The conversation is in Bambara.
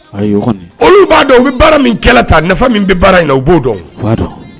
Olu b'a dɔn u bɛ baara min kɛlɛ ta min bɛ baara u b'o dɔn